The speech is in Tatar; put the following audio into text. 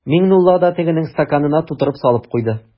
Миңнулла да тегенең стаканына тутырып салып куйды.